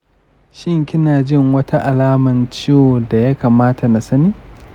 kina jin wata alamar ciwon daya kamata nasani?